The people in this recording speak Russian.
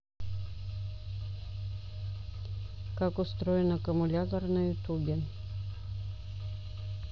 как устроен аккумулятор на ютюбе